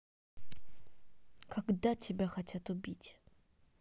когда тебя хотят убить